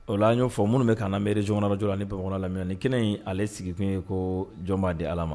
O y la' ɲɛfɔ fɔ minnu bɛ kana nameere jɔnɔnjɔ ni bamakɔk la ni kɛnɛ in ale sigikun ye ko jɔnmaa di ala ma